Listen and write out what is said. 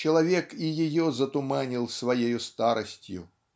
человек и ее затуманил своею старостью.